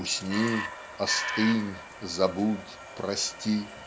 Усни, остынь, забудь, прости!